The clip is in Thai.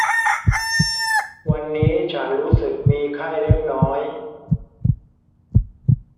วันนี้ฉันรู้สึกมีไข้เล็กน้อย